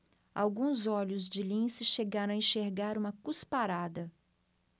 alguns olhos de lince chegaram a enxergar uma cusparada